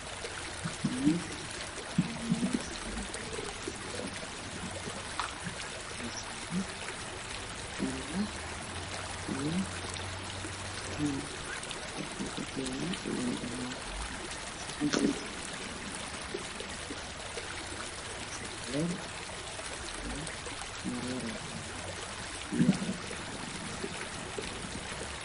Waa miis waxaa saaran labo saxan waxaa kaloo saaran malawax iyo fuul waxaa agyaalo liindhanaan. Saxanka agtiisa waxaa yaalo kabsarcaleen, mareero jaale ah iyo cabitaan jaale ah.